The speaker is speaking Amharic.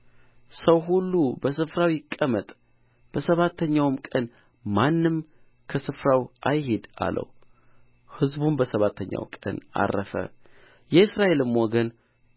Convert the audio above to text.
ሰው ሁሉ በስፍራው ይቀመጥ በሰባተኛው ቀን ማንም ከስፍራው አይሂድ አለው ሕዝቡም በሰባተኛው ቀን ዐረፈ የእስራኤልም ወገን